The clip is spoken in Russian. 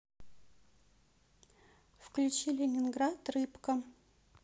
включи ленинград рыбка